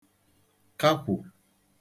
kakwù